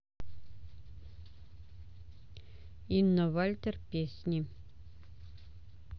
инна вальтер песни